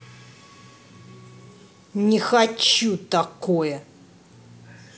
не хочу такое